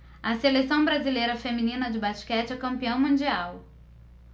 a seleção brasileira feminina de basquete é campeã mundial